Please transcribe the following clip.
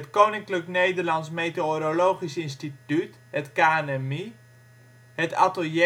Koninklijk Nederlands Meteorologisch Instituut (KNMI) Het atelier